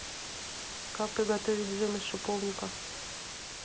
как приготовить джем из шиповника